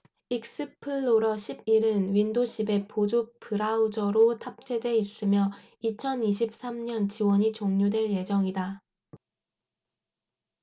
익스플로러 십 일 은 윈도 십 에 보조 브라우저로 탑재되어 있으며 이천 이십 삼 년 지원이 종료될 예정이다